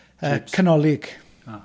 Yy canolig... O.